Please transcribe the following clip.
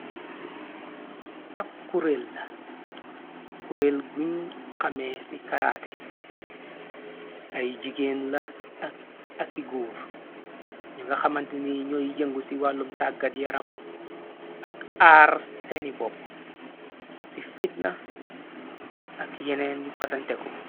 Ab kurel la kureel guñ xamee ci karaate ay jigéen la ak aki guur ñu nga xamant ni ñooy yëngu ci wàllum tàggat yaram ak aar seeni bopp ci fitna ak yeneen yu fasanteku.